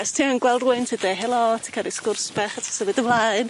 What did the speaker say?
Os ti yn gweld rywun ti deu helo ti ca'l ryw sgwrs bach a ti symud ymlaen.